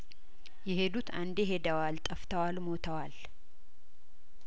የሄዱት አንዴ ሄደዋል ጠፍተዋል ሞተዋል